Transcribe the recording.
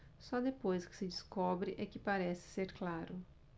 só depois que se descobre é que parece ser claro